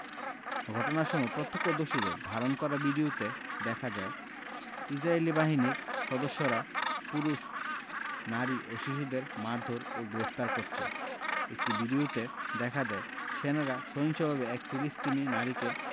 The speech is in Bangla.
ঘটনার সময় প্রত্যক্ষদর্শীদের ধারণ করা ভিডিওতে দেখা যায় ইসরাইলী বাহিনীর সদস্যরা পুরুষ নারী ও শিশুদের মারধোর ও গ্রেফতার করছে একটি ভিডিওতে দেখা যায় সেনারা সহিংসভাবে এক ফিলিস্তিনি নারীকে